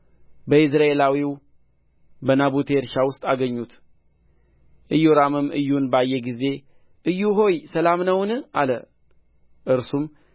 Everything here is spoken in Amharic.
በኢይዝራኤላዊው በናቡቴ እርሻ ውስጥ አገኙት ኢዮራምም ኢዩን ባየ ጊዜ ኢዩ ሆይ ሰላም ነውን አለ እርሱም